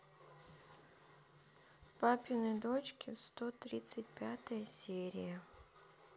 папины дочки сто тридцать пятая серия